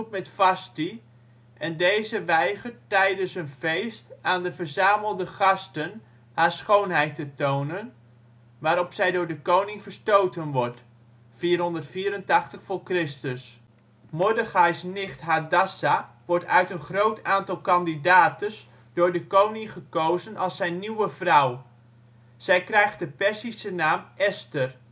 met Vasthi, en deze weigert tijdens een feest aan de verzamelde gasten haar schoonheid te tonen, waarop zij door de koning verstoten wordt (484 v.Chr.). Mordechais nicht Hadassa wordt uit een groot aantal kandidates door de koning gekozen als zijn nieuwe vrouw. Zij krijgt de Perzische naam Esther